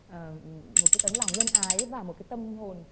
ở một cái tấm lòng nhân ái và một cái tâm hồn